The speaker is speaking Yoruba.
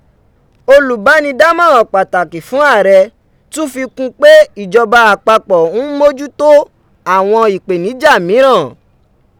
Olùbádàmọ̀ràn pàtàkì fún ààrẹ tún fi kún pé ìjọba àpapọ̀ ń mójú to àwọn ìpèníjà míràn.